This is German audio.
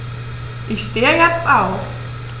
Ich stehe jetzt auf.